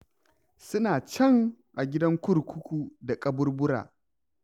SUNA CAN: A GIDAN KURKUKU DA ƙABURBURA.